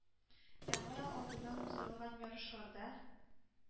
Яңа ел алдыннан уздырылган ярышларда